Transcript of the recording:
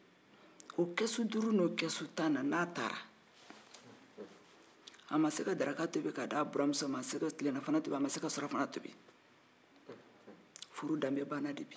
n'a taara n'o kɛsu duuru ni tan ye n'a ma se ka daraka tilelafana surafana tobi k'a di a buranmuso furu danbe banna dpi yen